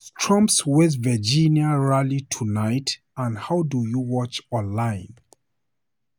What time is Trump's West Virginia rally tonight and how do you watch online?